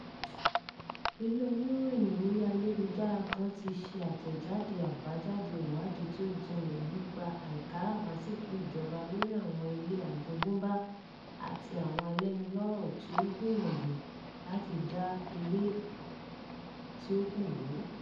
Ilé oníròyìn orí-ayélujára kan ti ṣe àtẹ̀jáde àbájáde ìwádìí tí ó jinlẹ̀ nípa àìkáràmáìsìkí ìjọba lóríi àwọn ilé àjogúnbá àti àwọn alẹ́nulọ́rọ̀ tí ó ń gbìyànjú láti da àwọn ilé tí ó kù wó: